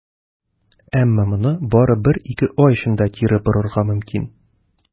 Әмма моны бары бер-ике ай эчендә кире борырга мөмкин.